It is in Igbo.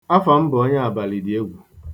Afam bụ onye abalịdịegwu.